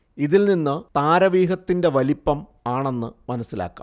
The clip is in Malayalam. ഇതിൽ നിന്ന് താരവ്യൂഹത്തിന്റെ വലിപ്പം ആണെന്ന് മനസ്സിലാക്കാം